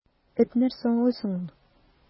Эт нәрсә аңлый соң ул!